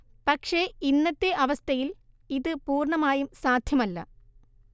പക്ഷെ ഇന്നത്തെ അവസ്ഥയിൽ ഇത് പൂർണമായും സാധ്യമല്ല